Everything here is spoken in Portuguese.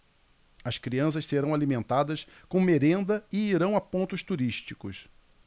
as crianças serão alimentadas com merenda e irão a pontos turísticos